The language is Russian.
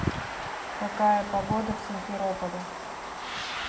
какая погода в симферополе